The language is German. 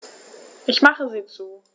Ich mache sie zu.